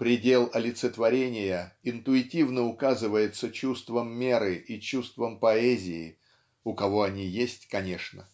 предел олицетворения интуитивно указывается чувством меры и чувством поэзии (у кого они есть конечно) --